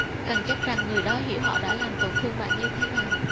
cần chắc rằng người đó hiểu họ đã làm tổn thương bạn như thế nào